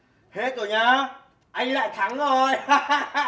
hết rồi nhá anh lại thắng rồi ha ha ha